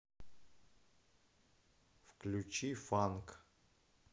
включи фанк